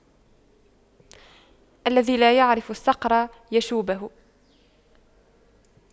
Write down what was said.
الذي لا يعرف الصقر يشويه